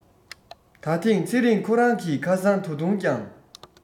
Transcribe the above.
ད ཐེངས ཚེ རིང ཁོ རང གི ཁ སང ད དུང ཀྱང